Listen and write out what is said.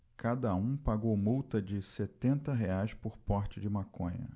cada um pagou multa de setenta reais por porte de maconha